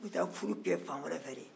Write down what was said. u bɛ taa furu kɛ fan wɛrɛ fɛ